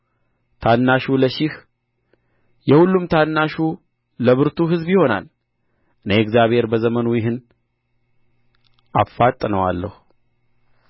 ታናሹ ለሺህ የሁሉም ታናሹ ለብርቱ ሕዝብ ይሆናል እኔ እግዚአብሔር በዘመኑ ይህን አፋጥነዋለሁ